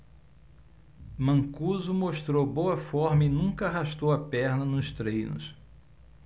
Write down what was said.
mancuso mostrou boa forma e nunca arrastou a perna nos treinos